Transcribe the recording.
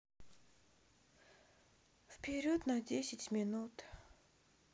вперед на десять минут